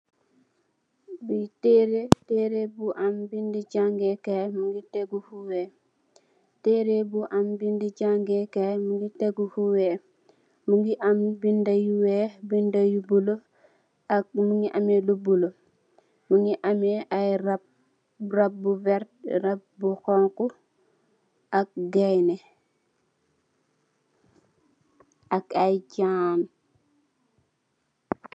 Ii tereh la tereh bu am bendi jangeh kai mogi tegu fu weex tereh bu am bendi jangeh kai mogi tegu fu weex mogi am benda yu weex benda yu bulo ak mogi ameh lu bulo mogi ameh ay raab raab bu veta raab bu xonxu ak gainde ak ay jaan.